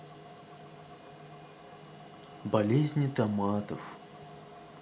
болезни томатов